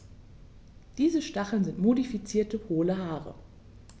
Diese Stacheln sind modifizierte, hohle Haare.